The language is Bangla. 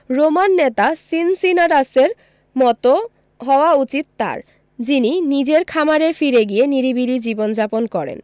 রোমান নেতা সিনসিনাটাসের মতো হওয়া উচিত তাঁর যিনি নিজের খামারে ফিরে গিয়ে নিরিবিলি জীবন যাপন করেন